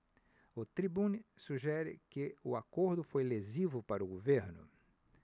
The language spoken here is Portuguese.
o tribune sugere que o acordo foi lesivo para o governo